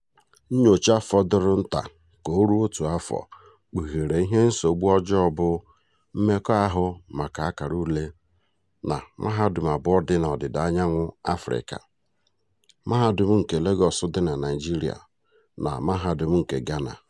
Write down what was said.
Nnyocha fọdụrụ nta ka o ruo otu afọ kpughere ihe nsogbu ọjọọ bụ "mmekọahụ maka ákàrà ule" na mahadum abụọ dị n'Ọdịdaanyanwụ Afịrịka: Mahadum nke Legọọsụ dị na Naịjirịa na Mahadum nke Ghana.